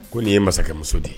Ko nin ye masakɛmuso de ye